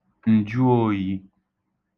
ǹjụōyī